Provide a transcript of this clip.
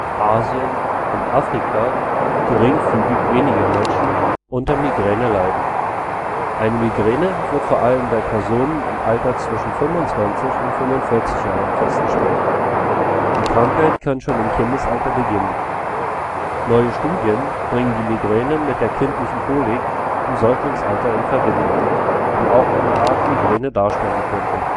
Asien und Afrika geringfügig weniger Menschen unter Migräne leiden. Eine Migräne wird vor allem bei Personen im Alter zwischen 25 und 45 Jahren festgestellt. Die Krankheit kann schon im Kindesalter beginnen, neue Studien bringen die Migräne mit der kindlichen Kolik im Säuglingsalter in Verbindung, die auch eine Art der Migräne darstellen könnte